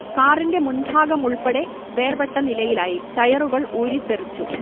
കാറിന്റെ മുൻഭാഗം ഉൾപ്പടെ വേർപെട്ട നിലയിലായി ടയറുകൾ ഊരിത്തെറിച്ചു